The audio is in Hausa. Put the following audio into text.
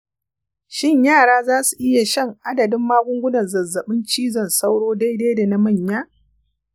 shin yara za su iya shan adadin magungunan zazzabin cizon sauro daidai da na manya